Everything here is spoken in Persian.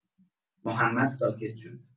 محمد ساکت شد.